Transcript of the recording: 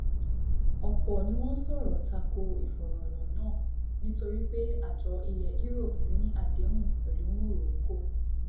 Ọ̀pọ̀ ni wọ́n sọ̀rọ̀ tako ìfọ̀rànlọ̀ náà nítorí pé Àjọ ilẹ̀ Europe ti ní àdéhùn pẹ̀lú Morocco.